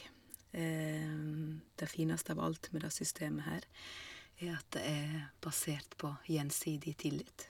Det fineste av alt med det systemet her, er at det er basert på gjensidig tillit.